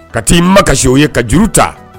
Ka ti makasi o ye ka juru ta.